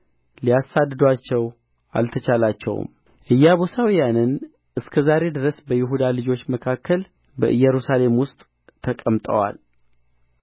ሊያሳድዱአቸው አልተቻላቸውም ኢያቡሳውያንም እስከ ዛሬ በይሁዳ ልጆች መካከል በኢየሩሳሌም ውስጥ ተቀምጠዋል